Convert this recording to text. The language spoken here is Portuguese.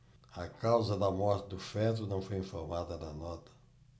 a causa da morte do feto não foi informada na nota